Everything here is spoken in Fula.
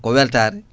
ko wetare